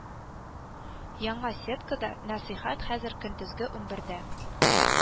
Яңа сетка да Нәсыйхәт хәзер көндезге унбердә